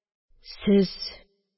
Сез